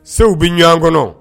Sew bɛ ɲɔgɔn kɔnɔ